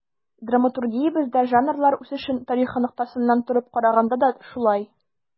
Драматургиябездә жанрлар үсеше тарихы ноктасынан торып караганда да шулай.